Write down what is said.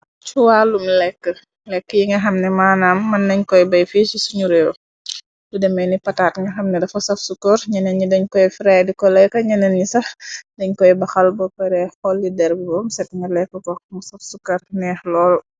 Cuwaalumi lekk lekk yi nga xamne maanaam mën nañ koy bay fiisi suñu réew lu demee ni pataat nga xamne dafa saf sukor ñenen ñi dañ koy frey de ko leeka ñenen ñi sax dañ koy baxal bopperee xoolli der bi boomsek nga lekk box mu saf sukor neex lool.